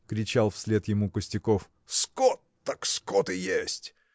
– кричал вслед ему Костяков, – скот, так скот и есть.